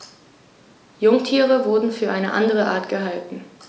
Jungtiere wurden für eine andere Art gehalten.